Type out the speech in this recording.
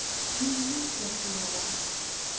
Мин нәрсә эшли алам?